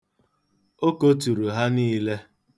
O koturu ha niile.